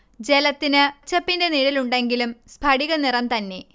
ജലത്തിന് പച്ചപ്പിന്റെ നിഴലുണ്ടെങ്കിലും സ്ഫടിക നിറം തന്നെ